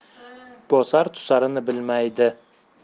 bosar tusarini bilmaydi